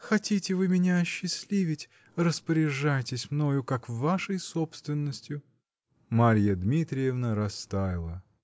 -- Хотите вы меня осчастливить -- распоряжайтесь мною, как вашей собственностью! Марья Дмитриевна растаяла.